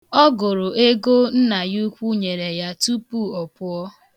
Ọ gụrụ ego nna ya ukwu nyere ya tupu ọ pụọ.